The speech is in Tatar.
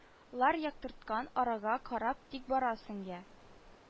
Лар яктырткан арага карап тик барасың, йә